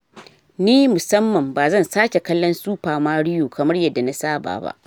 Ni, Musamman, bazan sake kallon Super Mario kamar yadda na saba ba.